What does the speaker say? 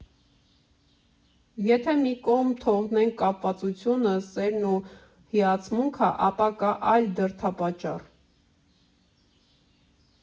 Եթե մի կողմ թողնենք կապվածությունը, սերն ու հիացմունքը, ապա կա այլ դրդապատճառ.